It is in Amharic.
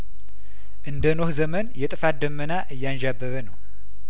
እንደ ኖህ ዘመን የጥፋት ደመና እያንዣበበነው